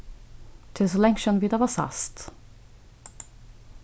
tað er so langt síðani vit hava sæst